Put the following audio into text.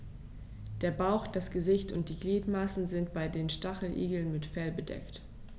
Der Bauch, das Gesicht und die Gliedmaßen sind bei den Stacheligeln mit Fell bedeckt.